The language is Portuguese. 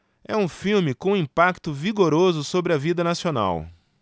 é um filme com um impacto vigoroso sobre a vida nacional